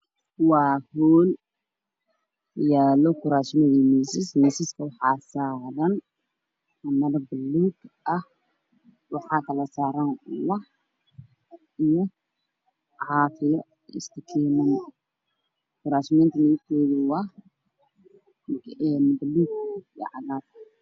Waa hool waxaa yaalo kuraasman iyo miisas waxaa saaran maro buluug ah iyo caafi, istikiin. Kuraasmanku waa buluug iyo cadaan.